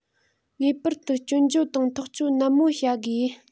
ངེས པར དུ སྐྱོན བརྗོད དང ཐག གཅོད ནན མོ བྱ དགོས